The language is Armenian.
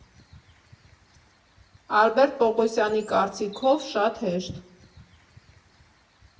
Ալբերտ Պողոսյանի կարծիքով՝ շատ հեշտ.